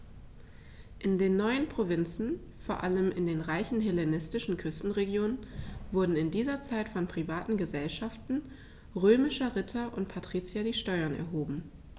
In den neuen Provinzen, vor allem in den reichen hellenistischen Küstenregionen, wurden in dieser Zeit von privaten „Gesellschaften“ römischer Ritter und Patrizier die Steuern erhoben.